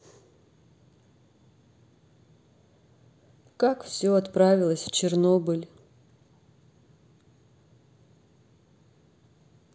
как все отправилось в чернобыль